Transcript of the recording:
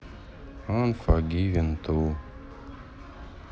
анфогивен ту